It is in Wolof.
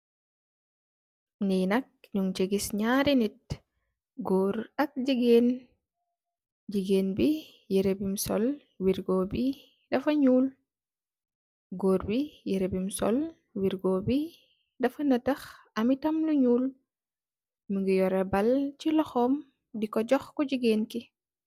Li nak ñiñ ci gis ñaari nit, gór ak gigeen, gigeen bi yirèh bum sol wirgo bi dafa ñuul gór bi yirèh bum sol wirgo bi dafa natax am yi tam lu ñuul. Mugii yureh bal ci loxom di ko jox ku gigeen ki.